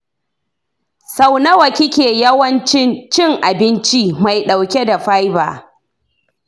sau nawa kike yawancin cin abinci mai dauke da fibre?